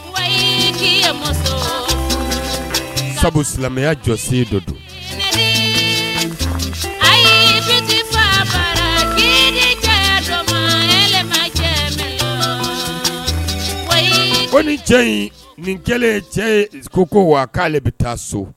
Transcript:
Wa sabu silamɛya jɔ se dɔ don kelen ayi ye misifa fa cɛ ma yɛlɛ cɛ la ko nin cɛ in nin kɛlen cɛ ko ko wa k'ale ale bɛ taa so